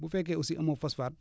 bu fekkee aussi amoo phosphate